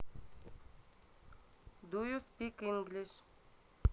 ду ю спик инглишь